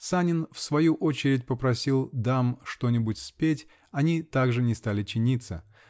Санин в свою очередь попросил дам что-нибудь спеть: они также не стали чиниться.